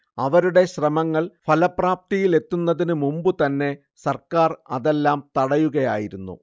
അവരുടെ ശ്രമങ്ങൾ ഫലപ്രാപ്തിയിലെത്തുന്നതിനു മുമ്പു തന്നെ സർക്കാർ അതെല്ലാം തടയുകയായിരുന്നു